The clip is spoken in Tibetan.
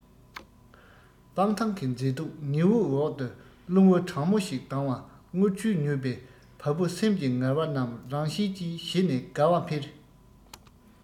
སྤང ཐང གི མཛེས སྡུག ཉི འོད འོག ཏུ རླུང བུ གྲང མོ ཞིག ལྡང བ རྔུལ ཆུས མྱོས པའི བ སྤུ སེམས ཀྱི ངལ བ རྣམས རང བཞིན གྱིས ཞི ནས དགའ བ འཕེལ